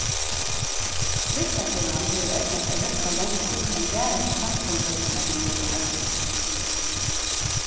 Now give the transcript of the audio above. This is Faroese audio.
listakvinnan hevur eydnast at røkka longur enn bara til samkomuveggirnar her norðuri á eiði